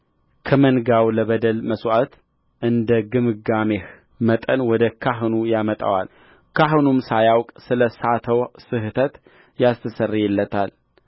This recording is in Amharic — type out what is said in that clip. ከመንጋው ለበደል መሥዋዕት እንደ ግምጋሜህ መጠን ወደ ካህኑ ያመጣዋል ካህኑም ሳያውቅ ስለ ሳተው ስሕተት ያስተሰርይለታል